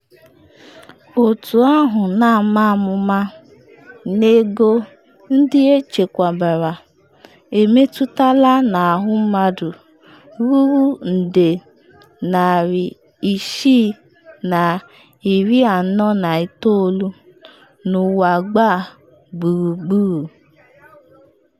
Otu ahụ na-ama amụma n’ego ndị echekwabara emetụtala n’ahụ mmadụ ruru nde 649 n’ụwa gbaa gburugburu.